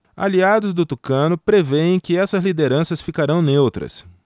aliados do tucano prevêem que essas lideranças ficarão neutras